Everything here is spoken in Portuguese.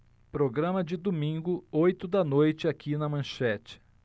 programa de domingo oito da noite aqui na manchete